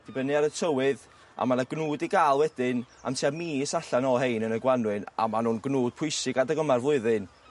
dibynnu ar y tywydd a ma' 'na gnwd i ga'l wedyn am tua mis allan o 'hein yn y Gwanwyn a ma' nw'n gnwd pwysig adeg yma o'r flwyddyn